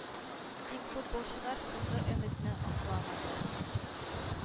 Тик футболчылар соңгы өметне акламады.